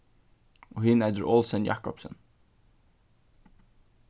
og hin eitur olsen jacobsen